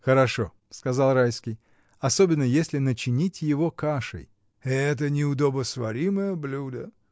— Хорошо, — сказал Райский, — особенно если начинить его кашей. — Это неудобосваримое блюдо!